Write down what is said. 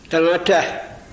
tana tɛ